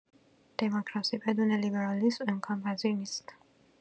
دموکراسی بدون لیبرالیسم امکان‌پذیر نیست.